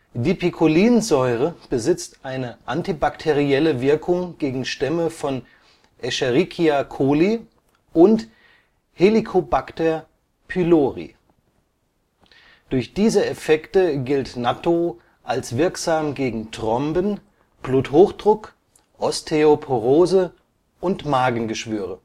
Dipicolinsäure besitzt eine antibakterielle Wirkung gegen Stämme von Escherichia coli und Helicobacter pylori. Durch diese Effekte gilt Nattō als wirksam gegen Thromben, Bluthochdruck, Osteoporose und Magengeschwüre